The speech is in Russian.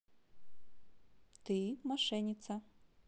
ты мошенница